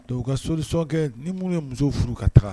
Dɔw u ka soli sɔnkɛ ni minnu ye musow furu ka taa